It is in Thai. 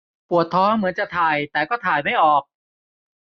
ปวดท้องเหมือนจะถ่ายแต่ก็ถ่ายไม่ออก